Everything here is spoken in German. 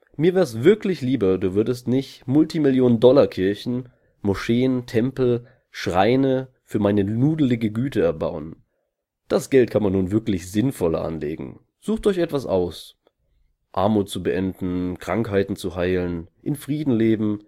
Mir wär’ s wirklich lieber, Du würdest nicht Multimillionendollar-Kirchen, Moscheen, Tempel, Schreine für Meine Nudlige Güte erbauen. Das Geld kann man nun wirklich sinnvoller anlegen. Sucht euch etwas aus: Armut zu beenden Krankheiten zu heilen. in Frieden leben